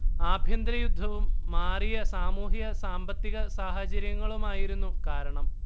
ആഭ്യന്തര യുദ്ധവും മാറിയ സാമൂഹ്യ സാമ്പത്തിക സാഹചര്യങ്ങളുമായിരുന്നു കാരണം